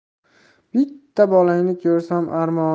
bitta bolangni ko'rsam